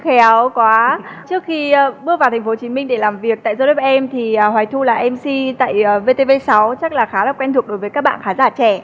khéo quá trước khi bước vào thành phố hồ chí minh để làm việc tại rôn ép em thì hà hoài thu là em xi tại vê tê vê sáu chắc là khá là quen thuộc đối với các bạn khán giả trẻ